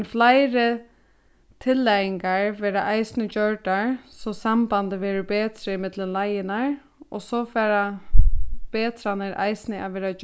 men fleiri tillagingar verða eisini gjørdar so sambandið verður betri ímillum leiðirnar og so fara betranir eisini at verða